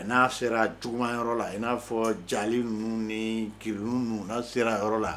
N'a sera juguman yɔrɔ la i n'a fɔ jali ninnu nii kirinnin ninnu n'a sera o yɔrɔ la